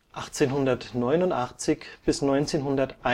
1889 bis 1921